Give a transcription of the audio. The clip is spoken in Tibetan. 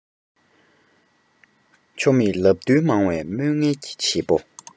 ཆོ མེད ལབ བརྡོལ མང བའི དམོན ངན གྱི བྱེད པོ